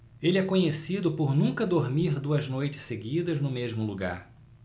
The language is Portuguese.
ele é conhecido por nunca dormir duas noites seguidas no mesmo lugar